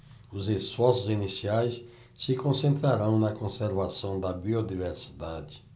os esforços iniciais se concentrarão na conservação da biodiversidade